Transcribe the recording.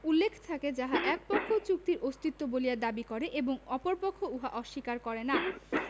উল্লেখ থাকে যাহা এক পক্ষ চুক্তির অস্তিত্ব বলিয়া দাবী করে এবং অপর পক্ষ উহা অস্বীকার করে না